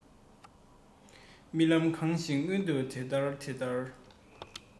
རྨི ལམ གང ཞིག མངོན དུ དེ ལྟ དེ ལྟར